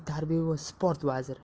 tarbiya va sport vaziri